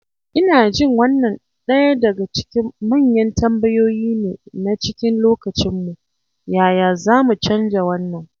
Ina jin wannan ɗaya daga cikin manyan tambayoyi ne na cikin lokacinmu - yaya za mu canja wannan?